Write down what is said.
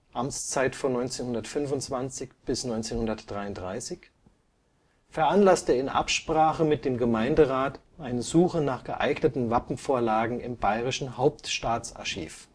Amtszeit von 1925 bis 1933), veranlasste in Absprache mit dem Gemeinderat eine Suche nach geeigneten Wappenvorlagen im Bayerischen Hauptstaatsarchiv